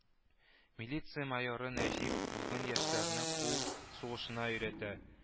Милиция майоры Нәҗип бүген яшьләрне кул сугышына өйрәтә